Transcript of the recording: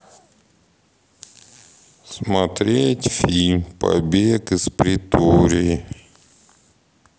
смотреть фильм побег из претории